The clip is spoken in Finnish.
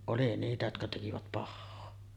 oli niitä jotka tekivät pahaa